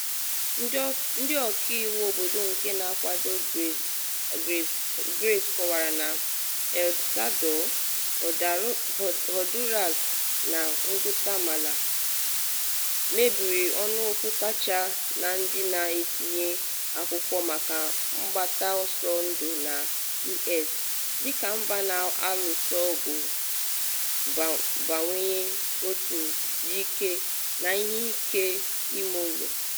Ndị ọka iwu obodo nke na-akwado Grace kọwara na El Salvador, Honduras na Guatemala, mebere ọnụọgụ kacha na ndị na-etinye akwụkwọ maka mgbata ọsọ ndụ na U.S, dịka mba na-alụso ọgụ mbawanye otu ndị ike na ihe ike ime ụlọ.